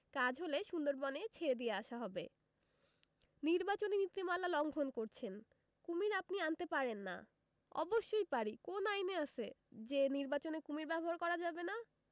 কাজ হলে সুন্দরবনে ছেড়ে দিয়ে আসা হবে ‘নিবাচনী নীতিমালা লংঘন করছেন কুমীর আপনি আনতে পারেন না'‘অবশ্যই পারি কোন আইনে আছে যে নির্বাচনে কুমীর ব্যবহার করা যাবে না